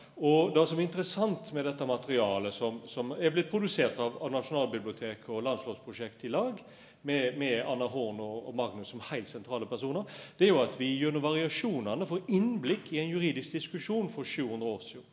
og det som er interessant med dette materialet, som som er blitt produsert av av Nasjonalbiblioteket og Landlovsprosjektet i lag med med Anna Horn og Magnus som heilt sentrale personar, det er jo at vi gjennom variasjonane får innblikk i ein juridisk diskusjon for 700 år sidan.